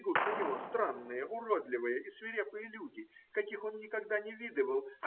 бегут на него странные, уродливые и свирепые люди, каких он никогда не видывал.